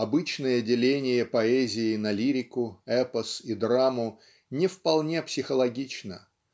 Обычное деление поэзии на лирику, эпос и драму не вполне психологично